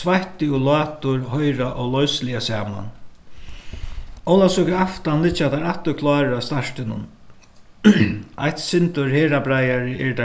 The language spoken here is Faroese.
sveitti og látur hoyra óloysiliga saman ólavsøkuaftan liggja teir aftur klárir á startinum eitt sindur herðabreiðari eru